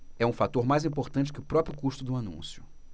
é um fator mais importante que o próprio custo do anúncio